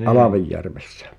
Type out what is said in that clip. Alvejärvessä